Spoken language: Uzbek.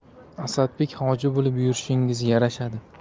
asadbek hoji bo'lib yurishingiz yarashadi